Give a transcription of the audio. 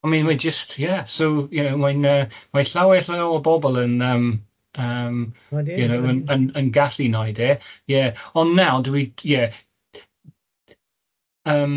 I mean mae jyst ie, so you know mae'n yy mae llawer llawer o bobol yn yym yym... Na ni. ...you know yn yn yn gallu wneud e ie ond nawr dwi ie yym